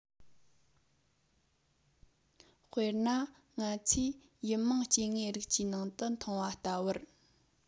དཔེར ན ང ཚོས དབྱིབས མང སྐྱེ དངོས རིགས ཀྱི ནང དུ མཐོང བ ལྟ བུར